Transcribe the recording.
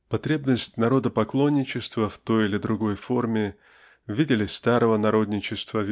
Потребность народопоклонничества в той или другой форме (в виде ли старого народничества